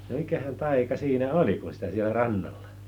no mikähän taika siinä oli kun sitä siellä rannalla